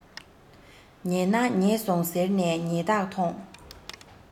ཉེས ན ཉེས སོང ཟེར ནས ཉེས གཏགས ཐོངས